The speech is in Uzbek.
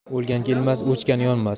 o'lgan kelmas o'chgan yonmas